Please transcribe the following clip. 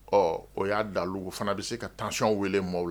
Ɔ o y'a dalu fana bɛ se ka taacɔn weele maaw la